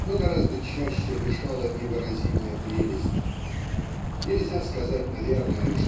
но гораздо чаще дышала невыразимая прелесть. Нельзя сказать наверное